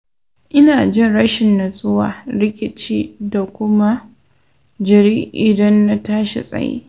ina jin rashin natsuwa/rikici da kuma jiri idan na tashi tsaye.